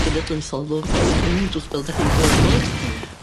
genedlaetholwr brwd wrth fel 'dach chi gwrbod. Hmm.